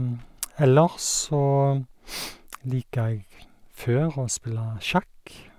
Ellers så likte jeg før å spille sjakk.